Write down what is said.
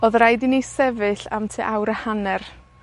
Odd raid i ni sefyll am tua awr a hanner.